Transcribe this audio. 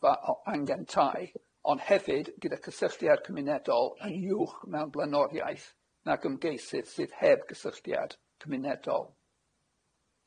o angen tai, ond hefyd gyda cysylltiad cymunedol yn uwch mewn blaenoriaeth nag ymgeisydd sydd heb gysylltiad cymunedol.